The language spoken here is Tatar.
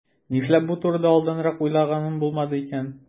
Нишләп бу турыда алданрак уйлаганым булмады икән?